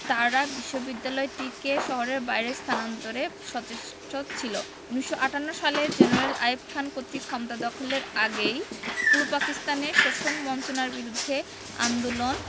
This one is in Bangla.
তারা বিশ্ববিদ্যালয়টিকে শহরের বাইরে স্থানান্তরে সচেষ্ট ছিল ১৯৫৮ সালে জেনারেল আইয়ুব খান কর্তৃক ক্ষমতা দখলের আগেই পূর্ব পাকিস্তানে শোষণ বঞ্চনার বিরুদ্ধে আন্দোলন